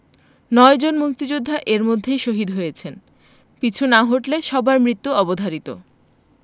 নয়জন মুক্তিযোদ্ধা এর মধ্যেই শহিদ হয়েছেন পিছু না হটলে সবার মৃত্যু অবধারিত